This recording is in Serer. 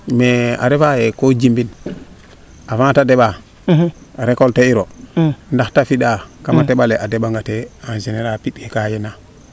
mais a refa yee ko jimin avant te deɓaa recolte iroo ndax te findaa kama teɓale a deɓangate en general piɗ ke kaa yenaa